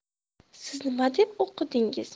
siz nima deb o'qidingiz